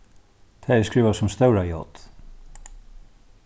tað er skrivað sum stóra j